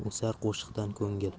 o'sar qo'shiqdan ko'ngil